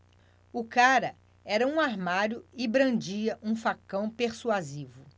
o cara era um armário e brandia um facão persuasivo